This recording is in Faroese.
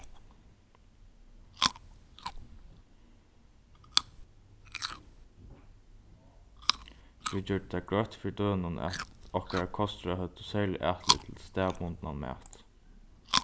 vit gjørdu tað greitt fyri dønum at okkara kostráð høvdu serligt atlit til staðbundnan mat